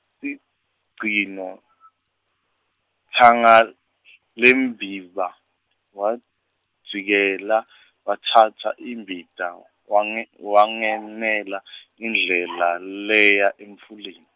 sigcino , Tsangalembiba, watidzikela , watsatsa imbita wange- wangenela indlela leya emfuleni.